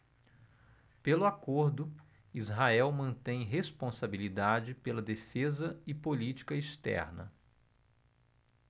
pelo acordo israel mantém responsabilidade pela defesa e política externa